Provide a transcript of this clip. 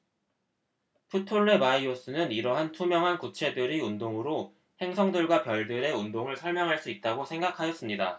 프톨레마이오스는 이러한 투명한 구체들의 운동으로 행성들과 별들의 운동을 설명할 수 있다고 생각하였습니다